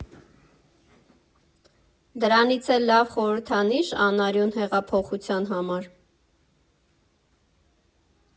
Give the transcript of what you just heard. Դրանից էլ լավ խորհրդանի՞շ անարյուն հեղափոխության համար։